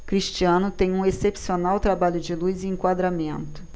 cristiano tem um excepcional trabalho de luz e enquadramento